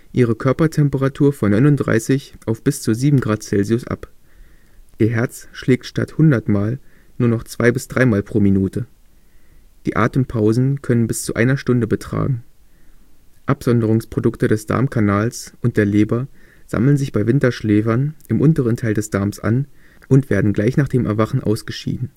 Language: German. ihre Körpertemperatur von 39 auf bis zu 7 °C ab. Ihr Herz schlägt statt hundertmal nur noch zwei - bis dreimal pro Minute. Die Atempausen können bis zu einer Stunde betragen. Absonderungsprodukte des Darmkanals und der Leber sammeln sich bei Winterschläfern im unteren Teil des Darms an und werden gleich nach dem Erwachen ausgeschieden